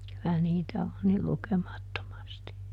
kyllä niitä on niin lukemattomasti